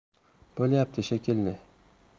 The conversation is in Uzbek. bo'lyapti shekilli